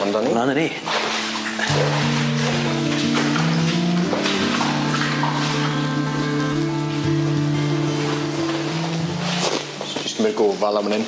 Amdani. Mlan â ni. Js jyst cymyd gofal lan man 'yn.